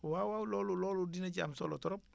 waawaaw loolu loolu dina dina ci am solo trop